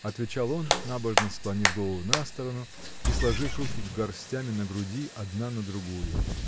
— отвечал он, набожно склонив голову на сторону и сложив руки горстями на груди, одна на другую.